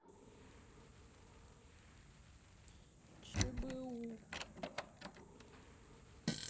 ч б у